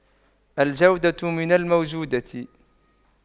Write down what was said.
الجودة من الموجودة